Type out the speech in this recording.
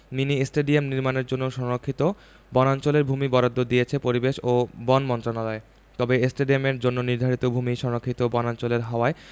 mini stadium নির্মাণের জন্য সংরক্ষিত বনাঞ্চলের ভূমি বরাদ্দ দিয়েছে পরিবেশ ও বন মন্ত্রণালয় তবে স্টেডিয়ামের জন্য নির্ধারিত ভূমি সংরক্ষিত বনাঞ্চলের হওয়ায়